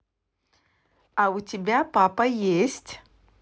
а у тебя папа есть